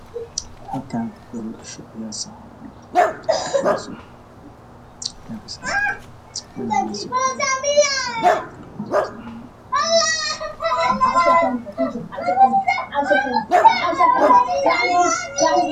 Waxaa meshan yaalo saxan cadaan ah oo doorsho saran yahay